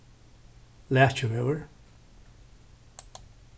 lækjuvegur